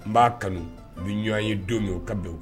N b'a kanu, u bɛ ɲɔan ye don min o ka bɛn